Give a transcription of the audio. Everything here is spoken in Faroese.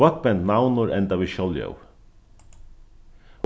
veikt bend navnorð enda við sjálvljóði